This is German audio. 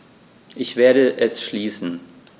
Ich werde es schließen.